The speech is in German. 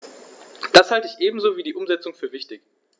Das halte ich ebenso wie die Umsetzung für wichtig.